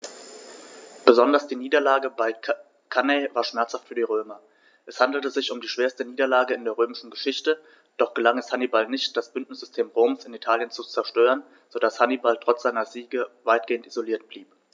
Besonders die Niederlage bei Cannae war schmerzhaft für die Römer: Es handelte sich um die schwerste Niederlage in der römischen Geschichte, doch gelang es Hannibal nicht, das Bündnissystem Roms in Italien zu zerstören, sodass Hannibal trotz seiner Siege weitgehend isoliert blieb.